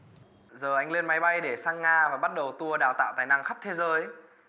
giờ anh lên máy bay để sang nga và bắt đầu tua đào tạo tài năng khắp thế giới